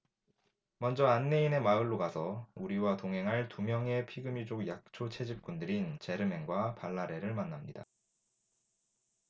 먼저 안내인의 마을로 가서 우리와 동행할 두 명의 피그미족 약초 채집꾼들인 제르멘과 발라레를 만납니다